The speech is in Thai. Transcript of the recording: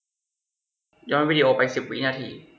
ย้อนวีดีโอไปสิบวินาที